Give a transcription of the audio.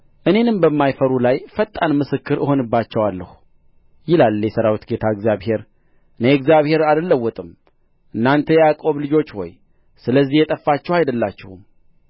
እኔንም በማይፈሩ ላይ ፈጣን ምስክር እሆንባቸዋለሁ ይላል የሠራዊት ጌታ እግዚአብሔር እኔ እግዚአብሔር አልለወጥም እናንተ የያዕቆብ ልጆች ሆይ ስለዚህ የጠፋችሁ አይደላችሁም